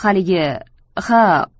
haligi ha